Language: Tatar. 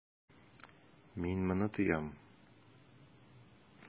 Мин моны тоям.